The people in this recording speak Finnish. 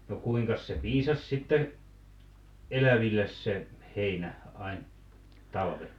no kuinkas se piisasi sitten eläville se heinä aina talven